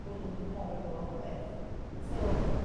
bo' nw'n horrible fath o beth so